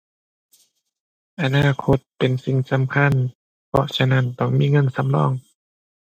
อนาคตเป็นสิ่งสำคัญ เพราะฉะนั้นต้องมีเงินสำรอง